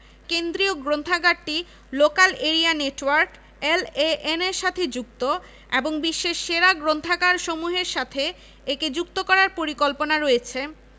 কেন্দ্রীয় গ্রন্থাগারটি local area network LAN এর সাথে যুক্ত এবং বিশ্বের সেরা গ্রন্থাগারসমূহের সাথে একে যুক্ত করার পরিকল্পনা রয়েছে